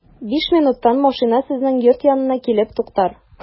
Биш минуттан машина сезнең йорт янына килеп туктар.